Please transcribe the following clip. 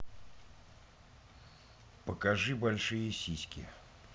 покажи большие сиськи